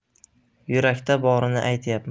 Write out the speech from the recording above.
yurakda borini aytyapman